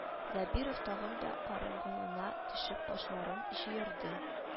Зәбиров тагын да караңгылана төшеп кашларын җыерды